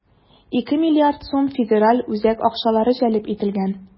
2 млрд сум федераль үзәк акчалары җәлеп ителгән.